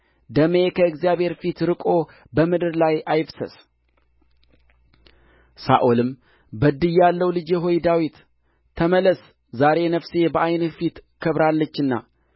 ደሜ ከእግዚአብሔር ፊት ርቆ በምድር ላይ አይፍሰስ ሳኦልም በድያለሁ ልጄ ሆይ ዳዊት ተመለስ ዛሬ ነፍሴ በዓይንህ ፊት ከብራለችና